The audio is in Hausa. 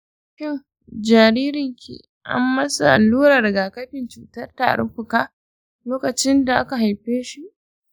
shin jaririnki ammasa allurarar rigakifin cutar tarin fuka lokacinda aka haifeshi?